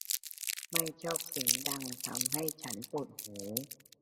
ไม่ชอบเสียงดังทำให้ฉันปวดหู